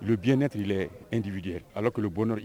Le bien être il est individuel alors que le bonheur